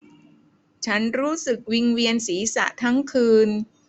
ฉันรู้สึกวิงเวียนศีรษะทั้งคืน